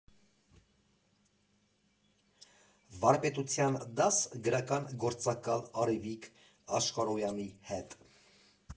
Վարպետության դաս գրական գործակալ Արևիկ Աշխարհոյանի հետ։